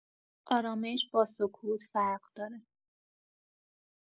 آرامش با سکوت فرق داره.